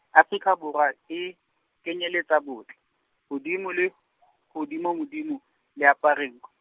Afrika Borwa e kenyeletsa bohle, hodimo le , hodimodimo leaparank-.